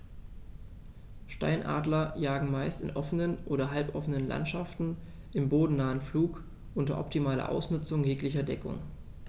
Steinadler jagen meist in offenen oder halboffenen Landschaften im bodennahen Flug unter optimaler Ausnutzung jeglicher Deckung.